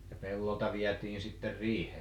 ja pellolta vietiin sitten riiheen